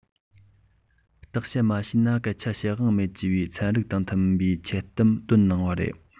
བརྟག དཔྱད མ བྱས ན སྐད ཆ བཤད དབང མེད ཅེས པའི ཚན རིག དང མཐུན པའི ཆོད གཏམ བཏོན གནང བ རེད